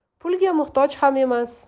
pulga muhtoj ham emas